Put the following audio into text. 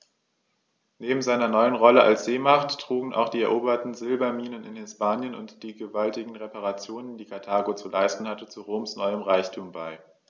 Neben seiner neuen Rolle als Seemacht trugen auch die eroberten Silberminen in Hispanien und die gewaltigen Reparationen, die Karthago zu leisten hatte, zu Roms neuem Reichtum bei.